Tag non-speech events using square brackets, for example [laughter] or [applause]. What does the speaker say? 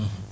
[hesitation] [hesitation]